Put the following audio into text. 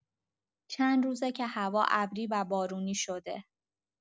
چندروزه که هوا ابری و بارونی شده.